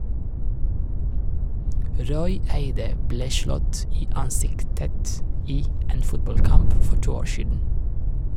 Roy Eide ble slått i ansiktet i en fotballkamp for to år siden.